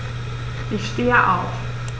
Ich stehe auf.